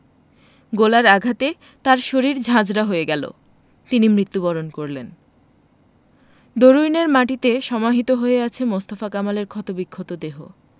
গোলার আঘাতে তার শরীর ঝাঁঝরা হয়ে গেল তিনি মৃত্যুবরণ করলেন দরুইনের মাটিতে সমাহিত হয়ে আছে মোস্তফা কামালের ক্ষতবিক্ষত দেহ